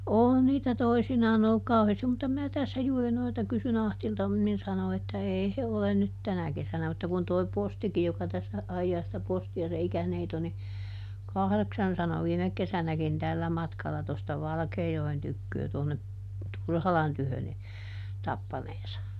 on niitä toisinaan ollut kauheasti mutta minä tässä juuri noilta kysyin Ahdilta - niin sanoi että ei he ole nyt tänä kesänä mutta kun tuo postikin joka tässä ajaa sitä postia se ikäneito niin kahdeksan sanoi viime kesänäkin tällä matkalla tuosta Valkeajoen tyköä tuonne Turhalan tykö niin tappaneensa